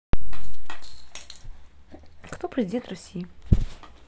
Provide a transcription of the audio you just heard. кто президент россии